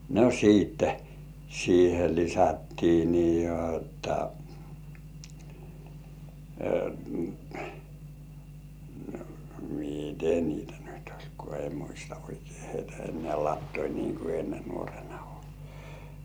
no sitten siihen lisättiin niin jotta miten niitä nyt oli kun ei muista oikein heitä enää latoa niin kuin ennen nuorena ollessa